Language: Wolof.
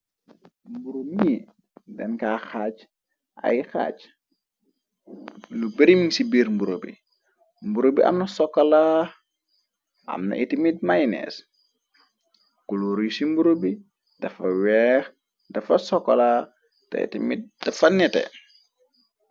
Mburo mi denka xaaj ay xaaj, lu bereming ci biir mburo bi, mburo bi amna sokola amna itimit maynees, kuluur yu ci mburubi dafa weex, dafa sokola, te iti mit dafa nete.